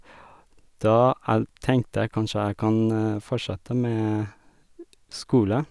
Da æ tenkte jeg, kanskje jeg kan fortsette med skole.